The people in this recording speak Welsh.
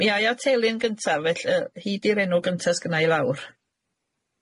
Mi a'i at Elin gyntaf felly, yy hi 'di'r enw gynta sgynna i lawr.